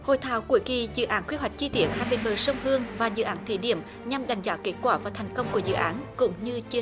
hội thảo cuối kỳ dự án quy hoạch chi tiết hai bên bờ sông hương và dự án thí điểm nhằm đánh giá kết quả và thành công của dự án cũng như chia